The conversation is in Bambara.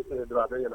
Don a bɛ ɲɛna